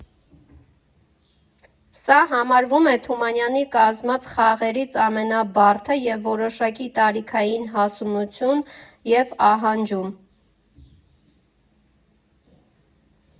Սա համարվում է Թումանյանի կազմած խաղերից ամենաբարդը և որոշակի տարիքային հասունություն է ահանջում։